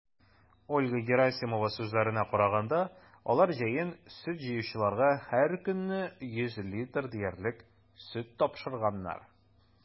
Ольга Герасимова сүзләренә караганда, алар җәен сөт җыючыларга һәркөнне 100 литр диярлек сөт тапшырганнар.